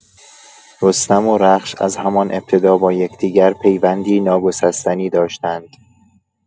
رستم و رخش از همان ابتدا با یکدیگر پیوندی ناگسستنی داشتند.